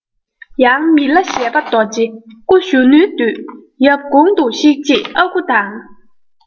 ཡང མི ལ བཞད པ རྡོ རྗེ སྐུ གཞོན ནུའི དུས ཡབ གུང དུ གཤེགས རྗེས ཨ ཁུ དང